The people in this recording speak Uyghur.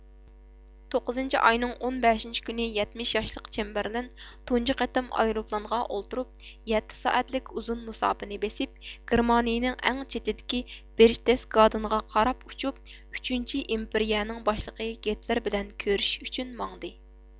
توققۇزىنچى ئاينىڭ ئون بەشىنچى كۈنى يەتمىش ياشلىق چېمبېرلېن تۇنجى قېتىم ئايروپىلانغا ئولتۇرۇپ يەتتە سائەتلىك ئۇزۇن مۇساپىنى بېسىپ گېرمانىيىنىڭ ئەڭ چېتىدىكى بېرچتېسگادېنغا قاراپ ئۇچۇپ ئۈچىنچى ئىمپېرىيە نىڭ باشلىقى گىتلېر بىلەن كۆرۈشۈش ئۈچۈن ماڭدى